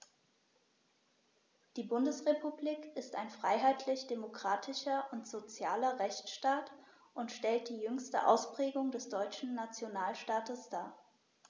Die Bundesrepublik ist ein freiheitlich-demokratischer und sozialer Rechtsstaat und stellt die jüngste Ausprägung des deutschen Nationalstaates dar.